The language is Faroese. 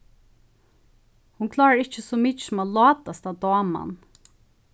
hon klárar ikki so mikið sum at látast at dáma hann